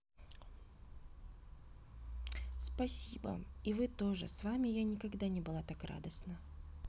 спасибо и вы тоже с вами я никогда не была так радостна